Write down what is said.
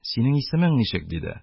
Синең исемең ничек? - диде.